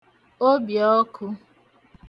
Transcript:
obìọkụ̄